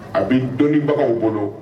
A bɛ dɔnniibagaw bolo